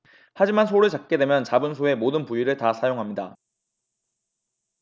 하지만 소를 잡게 되면 잡은 소의 모든 부위를 다 사용합니다